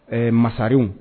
Ɛɛ masarenri